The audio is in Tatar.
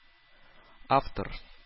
Автор